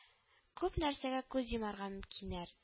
Күп нәрсәгә күз йомарга мөмкиннәр